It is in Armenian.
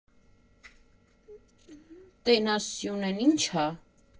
Տենաս Սյունեն ի՞նչ ա։